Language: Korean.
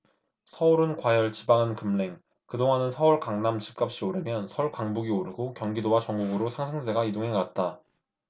서울은 과열 지방은 급랭그동안은 서울 강남 집값이 오르면 서울 강북이 오르고 경기도와 전국으로 상승세가 이동해갔다